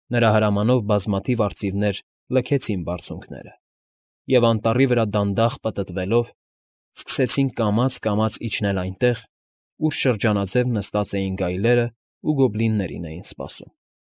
Նրա հրամանով բազմաթիվ արծիվներ լքեցին բարձունքները և անտառի վրա դանդաղ պտտվելով սկսեցին կամաց֊կամաց իջնել այնտեղ, ուր շրջանաձև նստած էին գայլերն ու գոբլիններին էին սպասում։